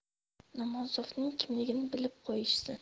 namozovning kimligini bilib qo'yishsin